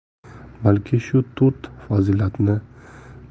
balki shu to'rt fazilatni